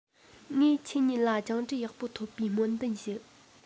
ངས ཁྱེད གཉིས ལ སྦྱངས འབྲས ཡག པོ ཐོབ པའི སྨོན འདུན ཞུ